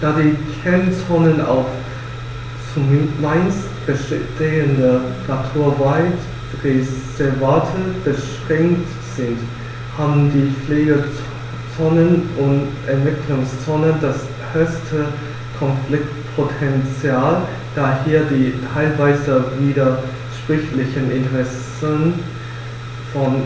Da die Kernzonen auf – zumeist bestehende – Naturwaldreservate beschränkt sind, haben die Pflegezonen und Entwicklungszonen das höchste Konfliktpotential, da hier die teilweise widersprüchlichen Interessen von